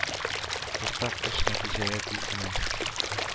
Уртак эш нәтиҗәләре тиз генә